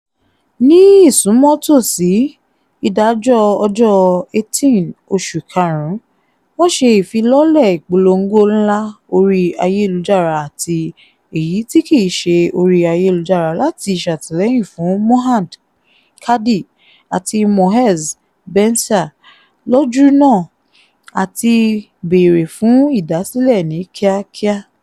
Ní ìsúnmọ́tòòsí ìdájọ́ ọjọ́ 18 oṣù Karùn-ún, wọ́n ṣe ìfilọ́lẹ̀ ìpolongo ńlá orí ayélujára àti èyí tí kìí ṣe orí ayélujára láti ṣàtìlẹ́yìn fún Mohand Kadi àti Moez Benncir lójúnà àti bèèrè fún ìdásílẹ̀ ní kíákíá.